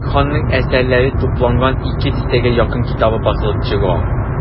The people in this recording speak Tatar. Әмирханның әсәрләре тупланган ике дистәгә якын китабы басылып чыга.